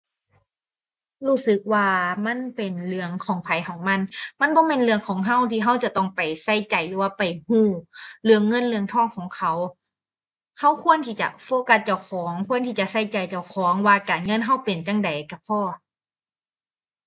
รู้สึกว่ามันเป็นเรื่องของไผของมัน มันบ่แม่นเรื่องของเราที่เราจะต้องไปใส่ใจหรือว่าไปเราเรื่องเงินเรื่องทองของเขา เราควรที่จะโฟกัสเจ้าของ ควรที่จะใส่ใจเจ้าของว่าการเงินเราเป็นจั่งใดเราพอ